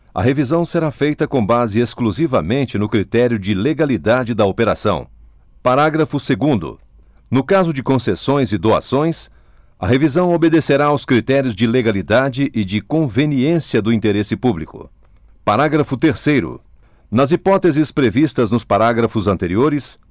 a revisão será feita com base exclusivamente no critério de legalidade da operação parágrafo segundo no caso de concessões e doações a revisão obedecerá aos critérios de legalidade e de conveniência do interesse público parágrafo terceiro nas hipóteses previstas nos parágrafos anteriores